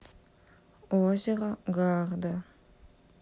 озеро гарда